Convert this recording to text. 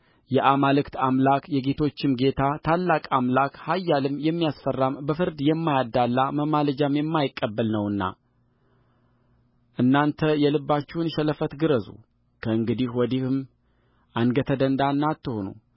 የአማልክት አምላክ የጌቶችም ጌታ ታላቅ አምላክ ኃያልም የሚያስፈራም በፍርድ የማያደላ መማለጃም የማይቀበል ነውና እናንተ የልባችሁን ሸለፈት ግረዙ ክእንግዲህ ወዲህም አንገተ ደንዳና አትሁኑ